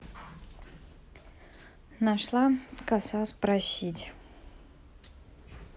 нашла коса спросить